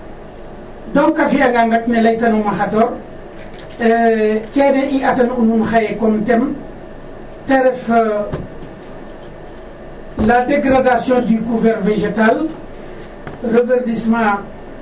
Donc a fi'angaan rek ne laytanuuma xatoor kene i atan'u nuun xaye comme theme ta ref la degradation du courert végétale reverdissemnt